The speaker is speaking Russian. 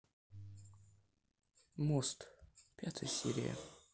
мост пятая серия